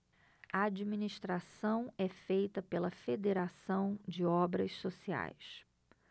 a administração é feita pela fos federação de obras sociais